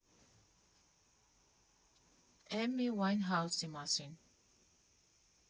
Էմի Ուայնհաուսի մասին։